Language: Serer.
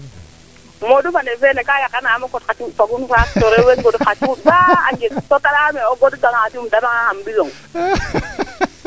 MOdou fa demb feene ka yaqan am xa qond xa cuuɗ fagun faak to rewe ngond xa cuuɗ ba ngeek to te leyaame o goda tanga xa cuund um dama ngang xam mbisong